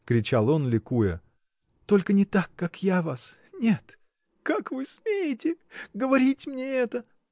— кричал он, ликуя, — только не так, как я вас. нет! — Как вы смеете. говорить мне это?